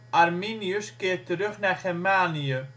Arminius keert terug naar Germanië